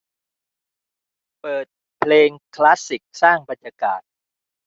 เปิดเพลงคลาสสิกสร้างบรรยากาศ